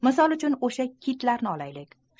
misol uchun osha kitlarni olaylik